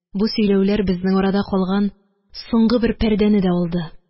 Бу сөйләүләр безнең арада калган соңгы бер пәрдәне дә алды